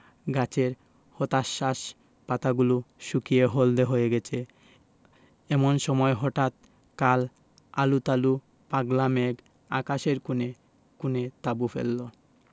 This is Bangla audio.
গাছের হতাশ্বাস পাতাগুলো শুকিয়ে হলদে হয়ে গেছে এমন সময় হঠাৎ কাল আলুথালু পাগলা মেঘ আকাশের কোণে কোণে তাঁবু ফেললো